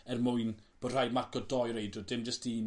er mwyn bod rhaid marco doi reidwr dim jyst un...